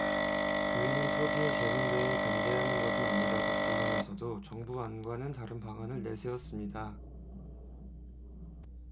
교회는 토지의 재분배에 반대하는 것은 아니라고 주장하면서도 정부 안과는 다른 방안을 내세웠습니다